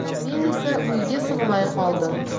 men esa uyga sig'may qoldim